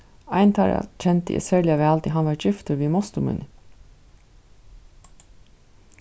ein teirra kendi eg serliga væl tí hann var giftur við mostur míni